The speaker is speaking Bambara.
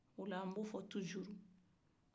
o la nbo fɔ tuma bɛ